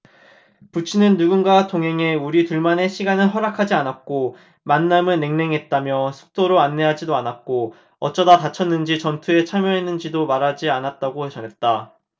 부친은 누군가 동행해 우리 둘만의 시간을 허락하지 않았고 만남은 냉랭했다며 숙소로 안내하지도 않았고 어쩌다 다쳤는지 전투에 참여했는지도 말하지 않았다고 전했다